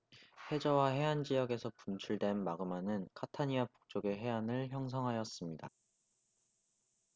해저와 해안 지역에서 분출된 마그마는 카타니아 북쪽의 해안을 형성하였습니다